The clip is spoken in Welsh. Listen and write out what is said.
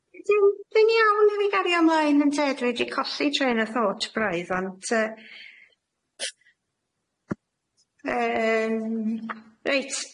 Dwi'n dwi'n iawn i fi gario mlaen ynte dwi wedi colli trên o thought braidd de ond yy yym reit.